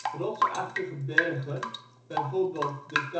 Rotsachtige bergen, bijvoorbeeld de Cascades